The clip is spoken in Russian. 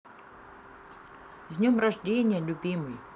с днем рождения любимый